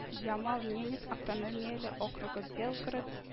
Ямал-Ненец автономияле округы, Белгород